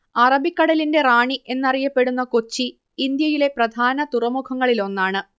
അറബിക്കടലിന്റെ റാണി എന്നറിയപ്പെടുന്ന കൊച്ചി ഇന്ത്യയിലെ പ്രധാന തുറമുഖങ്ങളിലൊന്നാണ്